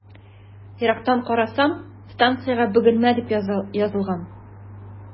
Ярыктан карасам, станциягә “Бөгелмә” дип язылган.